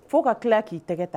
Fɔ ka tila k'i tɛgɛ ta